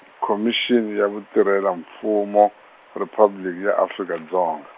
Khomixini ya Vutirhela-Mfumo, Riphabliki ya Afrika Dzonga.